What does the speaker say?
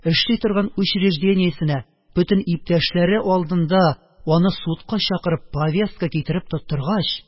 Эшли торган учреждениесенә, бөтен иптәшләре алдында аны судка чакырып повестка китереп тоттыргач